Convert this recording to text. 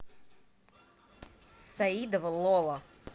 саидова лола